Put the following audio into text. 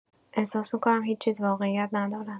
احساس می‌کنم هیچ‌چیز واقعیت ندارد.